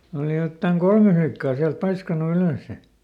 oli jotakin kolme likkaa sieltä paiskannut ylös